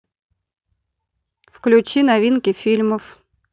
включи новинки фильмов